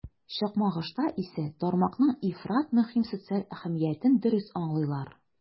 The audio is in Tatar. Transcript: Чакмагышта исә тармакның ифрат мөһим социаль әһәмиятен дөрес аңлыйлар.